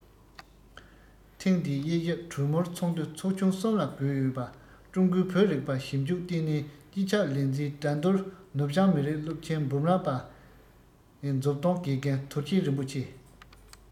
ཐེངས འདིའི དབྱེ ཞིབ གྲོས མོལ ཚོགས འདུ ཚོ ཆུང གསུམ ལ བགོས ཡོད པ ཀྲུང གོའི བོད རིག པ ཞིབ འཇུག ལྟེ གནས སྤྱི ཁྱབ ལས འཛིན དགྲ འདུལ ནུབ བྱང མི རིགས སློབ ཆེན འབུམ རམས པའི མཛུབ སྟོན དགེ རྒན དོར ཞི རིན པོ ཆེ